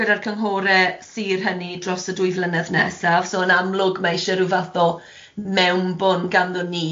gyda'r cynghore sir hynny dros y dwy flynedd nesaf, so yn amlwg ma' isie ryw fath o mewnbwn ganddo ni.